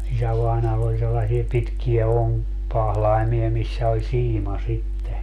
isävainajalla oli sellaisia pitkiä onkipahlaimia missä oli siima sitten